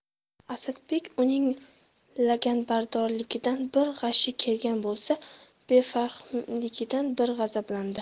asadbek uning laganbardorligidan bir g'ashi kelgan bo'lsa befahmligidan bir g'azablandi